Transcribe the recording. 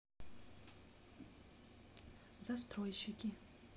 застройщики